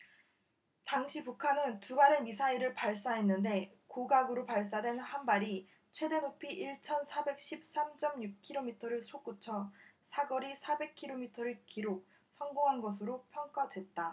당시 북한은 두 발의 미사일을 발사했는데 고각으로 발사된 한 발이 최대 높이 일 천 사백 십 삼 쩜 육 키로미터를 솟구쳐 사거리 사백 키로미터를 기록 성공한 것으로 평가됐다